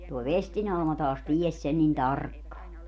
tuo vestin Alma taas tiesi sen niin tarkkaan